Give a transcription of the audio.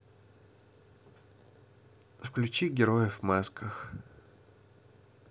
включи героев в масках